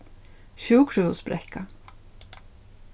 sjúkrahúsbrekka